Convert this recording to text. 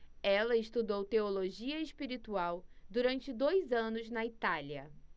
ela estudou teologia espiritual durante dois anos na itália